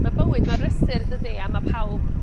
ma' bywyd mor brysur dydi? A ma' pawb